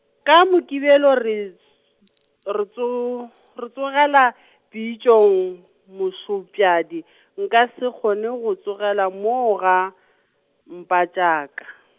ka Mokibelo re s-, re tso-, tsogela , pitšong Mošopšadi, nka se kgone go tsogela moo ga , Mpatšaka.